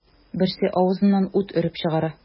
Берсе авызыннан ут өреп чыгара.